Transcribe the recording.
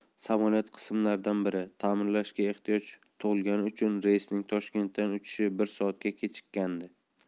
samolyot qismlaridan biri ta'mirlashga ehtiyoj tug'ilgani uchun reysning toshkentdan uchishi bir soatga kechikkandi